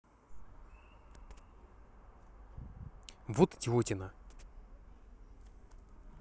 вот идиотина